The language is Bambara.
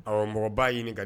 Awɔ mɔgɔ b'a ɲini